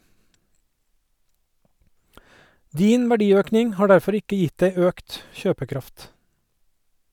Din verdiøkning har derfor ikke gitt deg økt kjøpekraft.